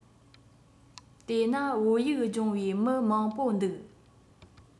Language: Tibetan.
དེས ན བོད ཡིག སྦྱོང བའི མི མང པོ འདུག